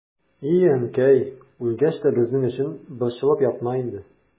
И әнкәй, үлгәч тә безнең өчен борчылып ятма инде.